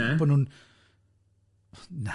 A bod nhw'n Na.